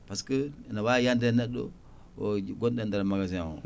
par ce que ne wawi yande e neɗɗo gonɗo e nder magasin o